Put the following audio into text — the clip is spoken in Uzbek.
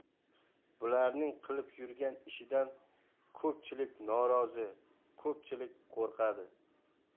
bularning qilib yurgan ishidan ko'pchilik norozi ko'pchilik qo'rqadi